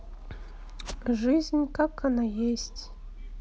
жизнь как она есть